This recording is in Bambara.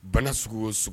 Bana sugu o sogo